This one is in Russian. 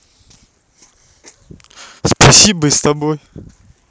спасибои с тобой